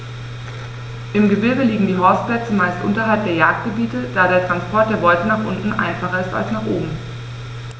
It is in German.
Im Gebirge liegen die Horstplätze meist unterhalb der Jagdgebiete, da der Transport der Beute nach unten einfacher ist als nach oben.